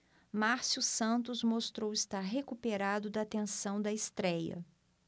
márcio santos mostrou estar recuperado da tensão da estréia